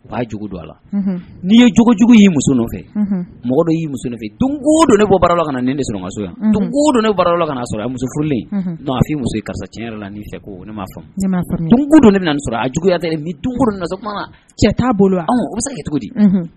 U b'a jugu don a la n'i ye jogojugu y'i muso nɔfɛ mɔgɔ dɔ y'i muso nɔfɛ don don ne bɔ bara kana na ne de sɔrɔso yan don ne kana sɔrɔ a muso furulen maafin muso ye karisa tiɲɛ yɛrɛ la' fɛ ko ne'a fɔ don ne nan sɔrɔ a juguya ni cɛ t'a bolo se cogo di